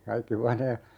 kaikki huoneet